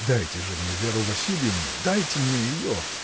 Дайте же мне Веру Васильевну, дайте мне ее!